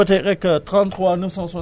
d' accord insaa àlaa okey